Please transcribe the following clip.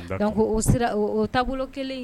Dɔnku o sera taabolo kelen